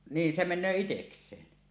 niin se menee itsekseen